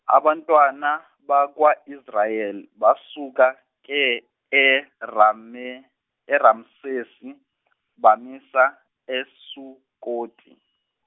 abantwana bakwa Israel basuka ke eRame- eRamsesi bamisa eSukoti.